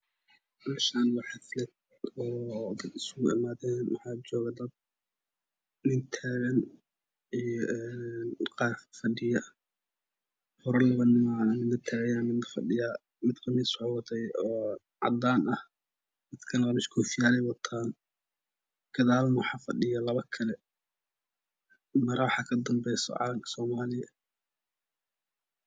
Meeshaan waa xaflad oo dad isugu imaadeen waxaa jooga dad nin taagan iyo qaar fadhiyo mid qamiis oo wuxu wataa cadaan ah dadka koofiyaal ay wataan gadaal waxaa fadhiyo labo kale maro waxaa ka danbeeso calanka soomaaliga